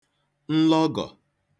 nlọgọ̀